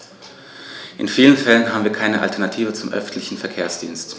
In vielen Fällen haben wir keine Alternative zum öffentlichen Verkehrsdienst.